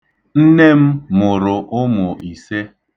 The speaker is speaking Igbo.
Nne m mụrụ ụmụ ise.